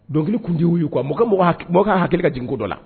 Dɔnkili kun te wu ye quoi m'u ka mɔgɔ hak mɔgɔ ka hakili ka jigin ko dɔ la